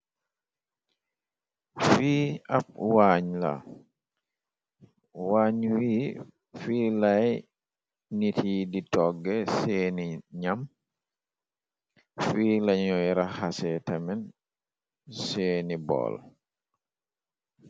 Fii ab waañ la waañ wi fiir lay nit yi di togge seeni ñyam fii lañuy raxase tamen seeni bool.